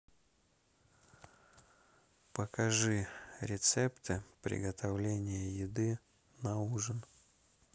покажи рецепты приготовления еды на ужин